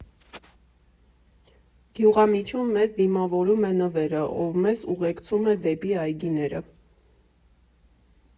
Գյուղամիջում մեզ դիմավորում է Նվերը, ով մեզ ուղեկցում է դեպի այգիները։